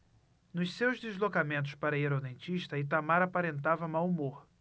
nos seus deslocamentos para ir ao dentista itamar aparentava mau humor